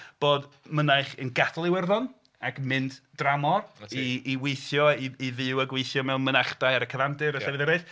Bod mynaich yn gadael Iwerddon ac yn mynd dramor i... i weithio, i fyw a gweithio mewn mynachai ar y cyfandir a llefydd eraill...